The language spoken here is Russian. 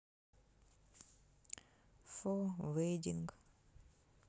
фо вейдинг